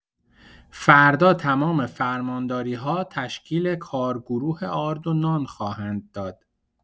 فردا تمام فرمانداری‌ها تشکیل کارگروه آرد و نان خواهند داد.